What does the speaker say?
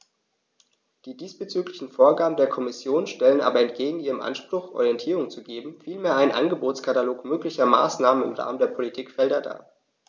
Die diesbezüglichen Vorgaben der Kommission stellen aber entgegen ihrem Anspruch, Orientierung zu geben, vielmehr einen Angebotskatalog möglicher Maßnahmen im Rahmen der Politikfelder dar.